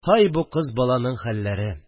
Һай, бу кыз баланың хәлләре